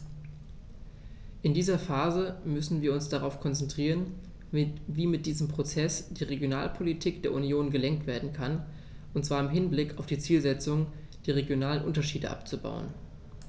In dieser Phase müssen wir uns darauf konzentrieren, wie mit diesem Prozess die Regionalpolitik der Union gelenkt werden kann, und zwar im Hinblick auf die Zielsetzung, die regionalen Unterschiede abzubauen.